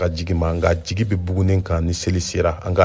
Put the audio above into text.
nka a jigi bɛ bugunni kan ani seli sira an ka ale lamɛn